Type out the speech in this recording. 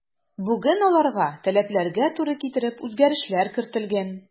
Бүген аларга таләпләргә туры китереп үзгәрешләр кертелгән.